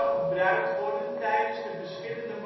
gebruikt worden tijdens de verschillende